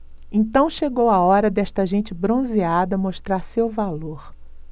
então chegou a hora desta gente bronzeada mostrar seu valor